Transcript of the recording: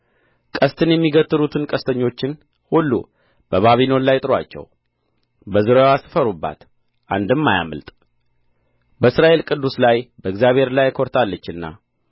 ቀስትን የሚገትሩትን ቀስተኞችን ሁሉ በባቢሎን ላይ ጥሩአቸው በዙሪያዋ ስፈሩባት አንድም አያምልጥ በእስራኤል ቅዱስ ላይ በእግዚአብሔር ላይ ኰርታለችና